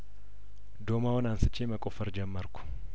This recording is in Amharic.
ዶማውን አንስቼ መቆፈር ጀመርኩ